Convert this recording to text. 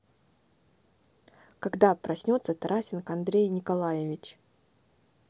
когда проснется тарасенко андрей николаевич